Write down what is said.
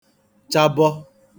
chabọ